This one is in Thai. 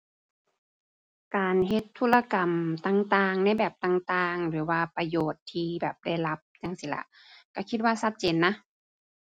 การเฮ็ดธุรกรรมต่างต่าง ในแบบต่างต่าง หรือว่าประโยชน์ที่แบบได้รับ จั่งซี้ละ ก็คิดว่าชัดเจนนะ